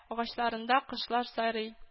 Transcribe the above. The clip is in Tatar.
Агачларында кошлар сайрый